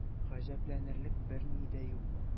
Гаҗәпләнерлек берни дә юк.